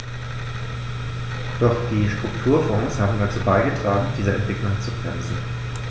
Doch die Strukturfonds haben dazu beigetragen, diese Entwicklung zu bremsen.